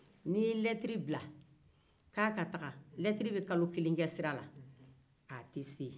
n'i ye letiri bil ka taga a bɛ kalo kelen kɛ sira la a tɛ se